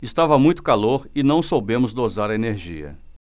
estava muito calor e não soubemos dosar a energia